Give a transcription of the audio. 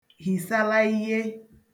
hìsalaiyie